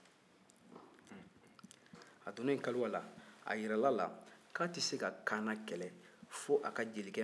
a yirala a la k'a tɛ se ka kaana kɛlɛ fo a ka jelikɛ mandi n'o ye jeli maamu ye